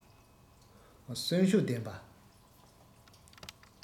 གསོན ཤུགས ལྡན པ